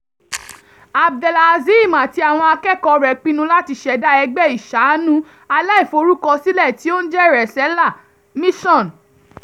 Abdel-Azim àti àwọn akẹ́kọ̀ọ́ rẹ̀ pinnu láti ṣẹ̀dá ẹgbẹ́ ìṣàánú aláìforúkọsílẹ̀ tí ó ń jẹ́ Resala (Mission).